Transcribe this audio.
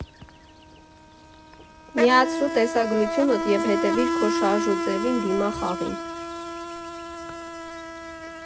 Միացրու տեսագրությունդ ու հետևիր քո շարժուձևին, դիմախաղին։